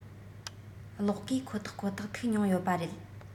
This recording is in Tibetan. གློག སྐས ཁོ ཐག ཁོ ཐག ཐུག མྱོང ཡོད པ རེད